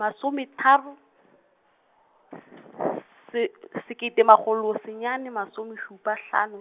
masometharo , s- se, sekete makgolo senyane masomešupa hlano.